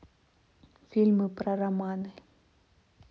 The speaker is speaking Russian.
фильмы про романы